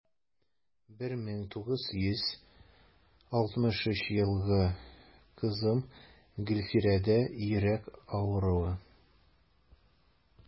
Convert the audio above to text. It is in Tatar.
1963 елгы кызым гөлфирәдә йөрәк авыруы.